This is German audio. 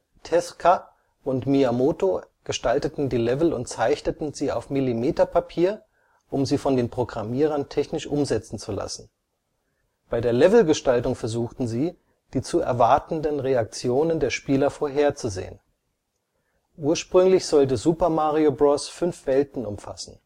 Tezuka und Miyamoto gestalteten die Level und zeichneten sie auf Millimeterpapier, um sie von den SRD-Programmierern technisch umsetzen zu lassen. Bei der Levelgestaltung versuchten sie, die zu erwartenden Reaktionen der Spieler vorherzusehen. Ursprünglich sollte Super Mario Bros. fünf Welten umfassen